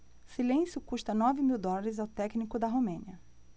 silêncio custa nove mil dólares ao técnico da romênia